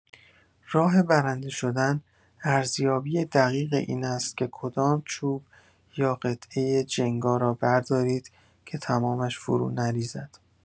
راه برنده‌شدن، ارزیابی دقیق این است که کدام چوب یا قطعه جنگا را بردارید که تمامش فرو نریزد.